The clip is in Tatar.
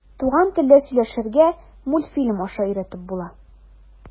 Туган телдә сөйләшергә мультфильм аша өйрәтеп була.